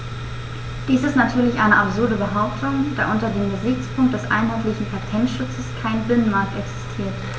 Dies ist natürlich eine absurde Behauptung, da unter dem Gesichtspunkt des einheitlichen Patentschutzes kein Binnenmarkt existiert.